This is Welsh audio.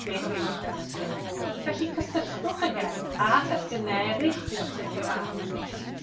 beth yw llenyddieth. Felly cysylltwch y gerdd â thestune eryll sy falle'n gyfarwydd i chi.